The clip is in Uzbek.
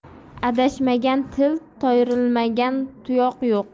adashmagan til toyrilmagan tuyoq yo'q